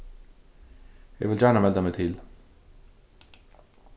eg vil gjarna melda meg til